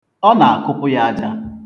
Ọ nà-akụpụ̀ ya aja.